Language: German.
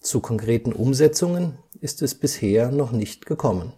zu konkreten Umsetzungen ist es bisher noch nicht gekommen